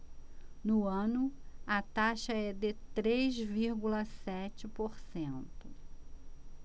no ano a taxa é de três vírgula sete por cento